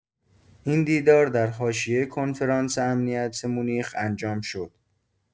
این دیدار در حاشیه کنفرانس امنیتی مونیخ انجام شد.